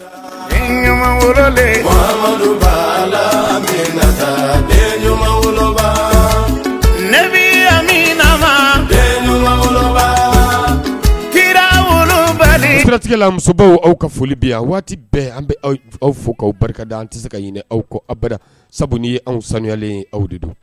Ba ɲumanba min ɲumanba kira woloba nitigɛlamuso aw ka foli bi yan waati bɛɛ an bɛ aw fɔ'aw barika da an tɛ se ka aw aw bɛ sabu ni anw sanuyalen aw de don